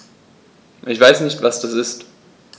Ich weiß nicht, was das ist.